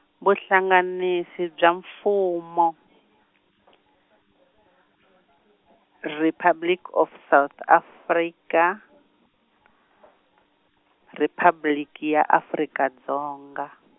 Vuhlanganisi bya Mfumo , Republic of South Africa , Riphabliki ya Afrika Dzonga.